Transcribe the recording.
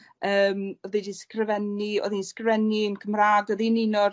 yym odd 'i 'di sgrifennu odd 'i'n sgrennu yn Cymra'g odd 'i'n un o'r